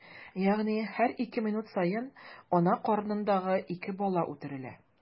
Ягъни һәр ике минут саен ана карынындагы ике бала үтерелә.